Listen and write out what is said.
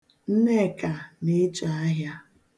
Nneka na-echo ahịa.